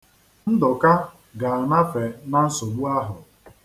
Ndụka ga-alafe na nsogbu ahụ.